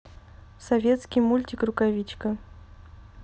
советский мультик рукавичка